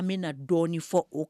An bɛ na dɔnɔni fɔ o kan